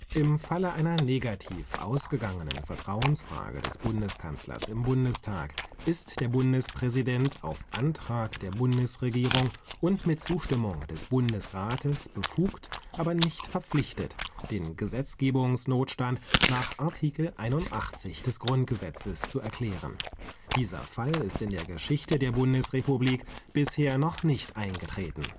Im Falle einer negativ ausgegangenen Vertrauensfrage des Bundeskanzlers im Bundestag ist der Bundespräsident auf Antrag der Bundesregierung und mit Zustimmung des Bundesrates befugt, aber nicht verpflichtet, den Gesetzgebungsnotstand nach Artikel 81 des Grundgesetzes zu erklären. Dieser Fall ist in der Geschichte der Bundesrepublik bisher noch nicht eingetreten